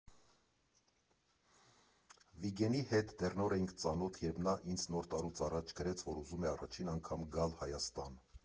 Վիգենի հետ դեռ նոր էինք ծանոթ, երբ նա ինձ Նոր տարուց առաջ գրեց, որ ուզում է առաջին անգամ գալ Հայաստան։